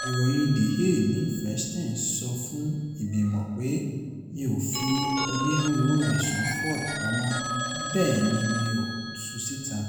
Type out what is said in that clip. Ìròyìn The Hill ní Feinstein sọ fún ìgbìmọ̀ pé “Mo ‘ò fi onírúurú ẹ̀sùn Ford pamọ́, bẹ́ẹ̀ ni mo ‘ò tu síta.”